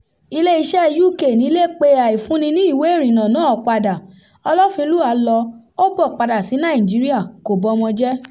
Ilé-iṣẹ́ UK Nílé pe àìfúni ní ìwé ìrìnnà náà padà. Ọlọ́finlúà lọ, ó bọ̀ padà sí Nàìjíríà, kò b'ọmọ jẹ́.